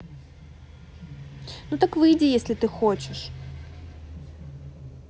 ну так выйди если ты хочешь